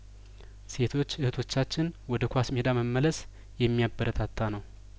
ሴቶች እህቶቻችን ወደ ኳስ ሜዳ መመለስ የሚያበረታታ ነው